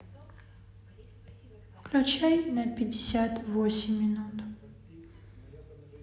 включай на пятьдесят восемь минут